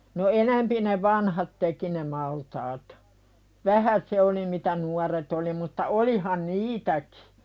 no enempi ne vanhat teki ne maltaat vähän se oli mitä nuoret oli mutta olihan niitäkin